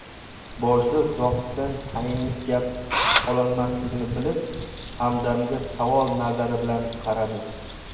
boshliq zohiddan tayinli gap ololmasligini bilib hamdamga savol nazari bilan qaradi